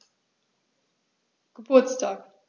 Geburtstag